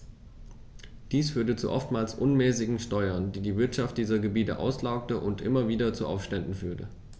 Dies führte zu oftmals unmäßigen Steuern, die die Wirtschaft dieser Gebiete auslaugte und immer wieder zu Aufständen führte.